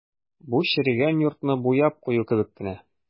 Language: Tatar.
Бу черегән йортны буяп кую кебек кенә.